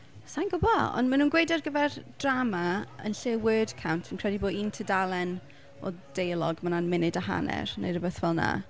Sa i'n gwybod ond mae nhw'n gweud ar gyfer drama, yn lle word count fi'n credu bod un tudalen o deialog mae hwnna'n munud a hanner neu rywbeth fel yna.